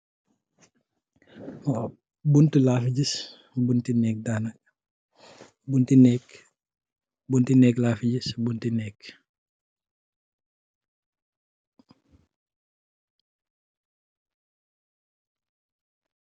Buntu la fi gis butti nèèk.